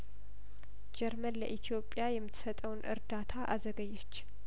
ጀርመን ለኢትዮጵያ የምትሰጠውን እርዳታ አዘገየች